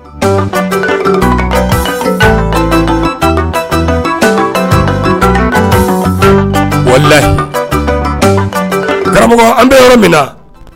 Karamɔgɔ an bɛ yɔrɔ min na